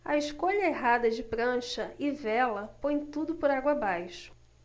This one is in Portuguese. a escolha errada de prancha e vela põe tudo por água abaixo